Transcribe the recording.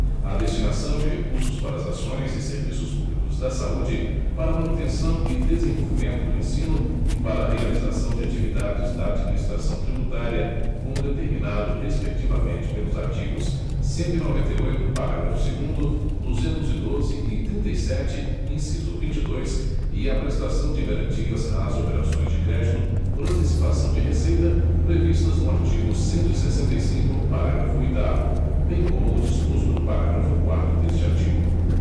a destinação de recursos para as ações e serviços públicos da saúde para manutenção e desenvolvimento do ensino e para realização de atividades da administração tributária como determinado respectivamente pelos artigos cento e noventa e oito parágrafo segundo duzentos e doze e trinta e sete inciso vinte e dois e a prestação de garantias às operações de crédito por antecipação de receita previstas no artigo cento e sessenta e cinco parágrafo oitavo bem como o disposto no parágrafo quarto deste artigo